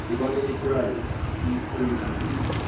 Ибо оно неправильно и несправедливо.